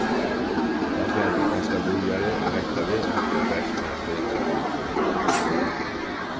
tá fari eg kanska víðari og hetta verður aftur bert eitt frítíðarítriv